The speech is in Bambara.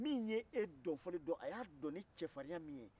min ye e dɔnfɔli dɔn a y'a dɔn ni cɛfarinya min ye